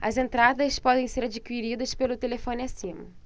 as entradas podem ser adquiridas pelo telefone acima